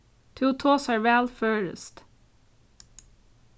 tú tosar væl føroyskt